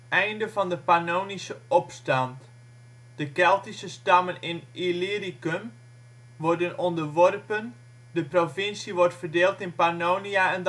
Einde van de Pannonische Opstand: De Keltische stammen in Illyricum worden onderworpen, de provincie wordt verdeeld in Pannonia